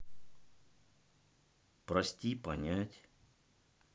прости понять